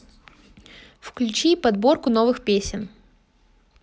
включи подборку новых песен